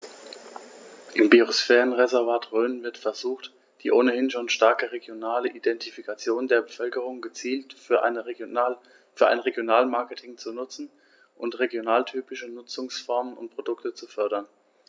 Im Biosphärenreservat Rhön wird versucht, die ohnehin schon starke regionale Identifikation der Bevölkerung gezielt für ein Regionalmarketing zu nutzen und regionaltypische Nutzungsformen und Produkte zu fördern.